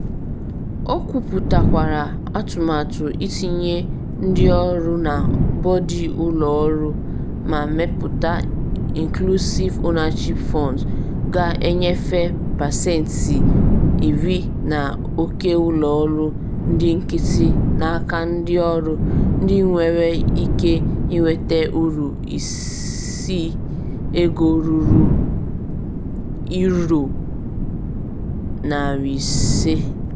O kwuputakwara atụmatụ itinye ndị ọrụ na bọdụ ụlọ ọrụ ma mepụta Inclusive Ownership Fund ga-enyefe pesenti 10 n’oke ụlọ ọrụ ndị nkịtị n’aka ndị ọrụ, ndị nwere ike inweta uru isi ego ruru £500.